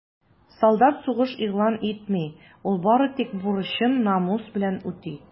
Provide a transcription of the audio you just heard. Солдат сугыш игълан итми, ул бары бурычын намус белән үти.